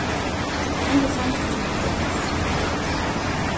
henda sangin kenna øll